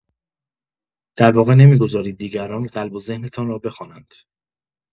در واقع نمی‌گذارید دیگران قلب و ذهنتان را بخوانند.